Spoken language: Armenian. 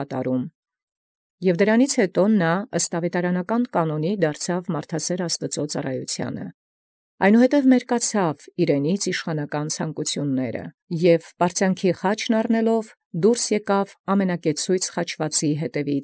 Կորյուն Եւ յետ այնորիկ ըստ աւետարանական չափուցն՝ ի ծառայութիւն Աստուծոյ մարդասիրին դարձեալ, մերկանայր այնուհետև զիշխանակիր ցանկութիւնսն, և առեալ զխաչն պարծանաց՝ ելանէր զկնի ամենակեցոյց խաչելոյն։